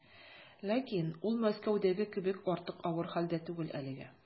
Ләкин ул Мәскәүдәге кебек артык авыр хәлдә түгел әлегә.